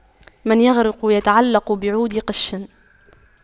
من يغرق يتعلق بعود قش